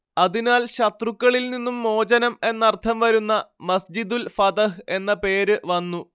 അതിനാൽ ശത്രുക്കളിൽ നിന്നും മോചനം എന്നർത്ഥം വരുന്ന മസ്ജിദുൽ ഫതഹ് എന്ന പേര് വന്നു